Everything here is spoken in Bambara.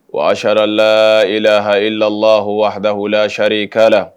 Waharala e lahahilahadallaharikala